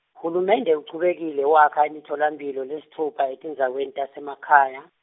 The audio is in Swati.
hulumende uchubekile wakha imitfolamphilo lesitfupha etindzaweni tasemakhaya.